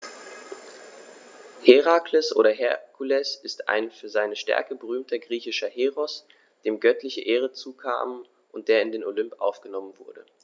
Herakles oder Herkules ist ein für seine Stärke berühmter griechischer Heros, dem göttliche Ehren zukamen und der in den Olymp aufgenommen wurde.